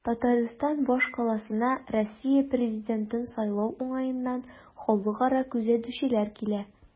Татарстан башкаласына Россия президентын сайлау уңаеннан халыкара күзәтүчеләр килә.